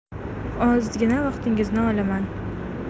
ozgina vaqtingizni olaman